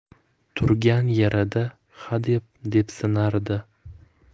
turgan yerida hadeb depsinardi